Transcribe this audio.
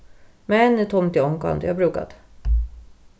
men eg tímdi ongantíð at brúka tað